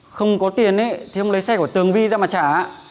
không có tiền ấy thì ông lấy xe của tường vy ra mà trả